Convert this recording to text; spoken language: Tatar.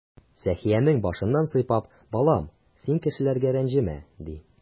Сәхиянең башыннан сыйпап: "Балам, син кешеләргә рәнҗемә",— ди.